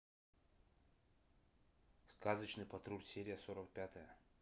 сказочный патруль серия сорок пятая